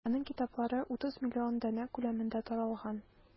Аның китаплары 30 миллион данә күләмендә таралган.